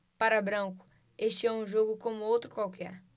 para branco este é um jogo como outro qualquer